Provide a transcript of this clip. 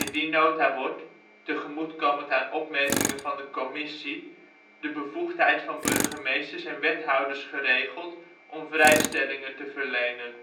die nota wordt, tegemoetkomend aan opmerkingen van de commissie, de bevoegdheid van burgemeesters en wethouders geregeld om vrijstellingen te verlenen